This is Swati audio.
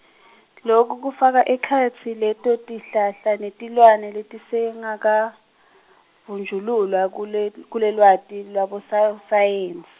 loku kufaka ekhatsi leto tihlahla netilwane letisengakavunjululwa kulet- kulelwati- lwabososayensi.